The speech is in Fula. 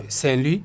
Saint louis